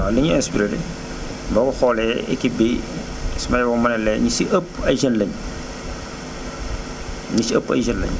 waaw li ñu inspiré boo ko xoolee équipe bi su ma yeboo mane leen ñu si ëpp ay jeunes lañ ñi si ëpp ay jeunes lañ